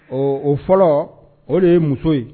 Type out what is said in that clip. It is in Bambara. Ɔ o fɔlɔ o de ye muso ye